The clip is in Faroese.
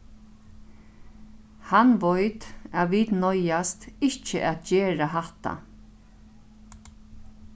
hann veit at vit noyðast ikki at gera hatta